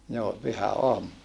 joo pyhäaamuna